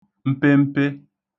mpempe